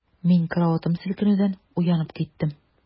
Мин караватым селкенүдән уянып киттем.